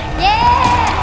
dê